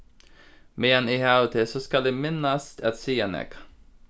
meðan eg havi teg so skal eg minnast at siga nakað